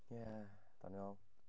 Ie doniol.